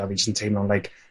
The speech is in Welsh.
A fi jyst yn teimlo'n like